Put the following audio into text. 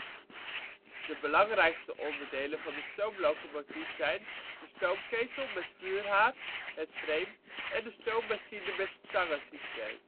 belangrijkste onderdelen van de stoomlocomotief zijn: de stoomketel met vuurhaard, het frame en de stoommachine met stangensysteem